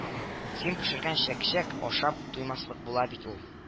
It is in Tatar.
Син пешергән чәкчәк ашап туймаслык була бит ул